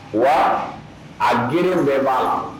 Wa a g bɛɛ b'a la